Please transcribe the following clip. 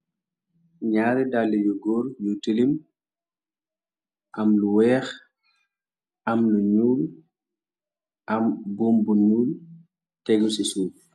ñaari dalli yu góor yu tilim am lu weex am lu ñuul am bombu ñuul tégul ci suub